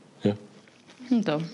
Ia? Yndw...